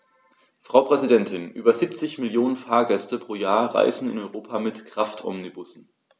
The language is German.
Frau Präsidentin, über 70 Millionen Fahrgäste pro Jahr reisen in Europa mit Kraftomnibussen.